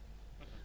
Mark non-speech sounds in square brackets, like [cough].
[hesitation] [hesitation]